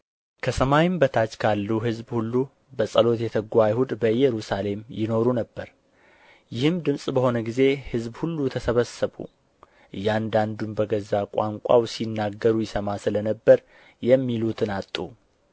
ከሰማይም በታች ካሉ ሕዝብ ሁሉ በጸሎት የተጉ አይሁድ በኢየሩሳሌም ይኖሩ ነበር ይህም ድምፅ በሆነ ጊዜ ሕዝብ ሁሉ ተሰበሰቡ እያንዳንዱም በገዛ ቋንቋው ሲናገሩ ይሰማ ስለ ነበር የሚሉትን አጡ